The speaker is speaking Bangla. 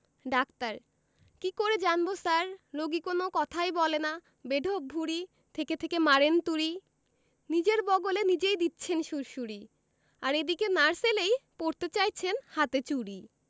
ডাক্তার কি করে জানব স্যার রোগী কোন কথাই বলে না বেঢপ ভূঁড়ি থেকে থেকে মারেন তুড়ি নিজের বগলে নিজেই দিচ্ছেন সুড়সুড়ি আর এদিকে নার্স এলেই পরতে চাইছেন হাতে চুড়ি